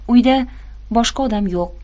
uyda boshqa odam yo'q